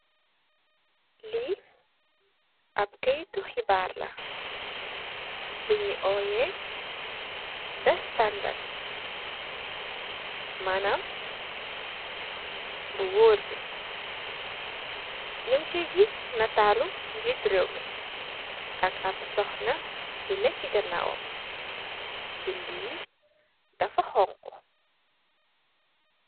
Lii ab kayiti xibaar la bi ñuy owee,"The Standard", manaam, bu woor bi. Ñung ciy gis nataalu ñietti rew mi, ak ab sox na bu neek ci ganaawam. Bindë yi, dafa xoñgu.